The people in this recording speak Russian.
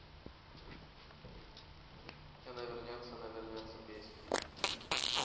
она вернется она вернется песня